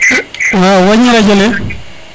waw wañi radio le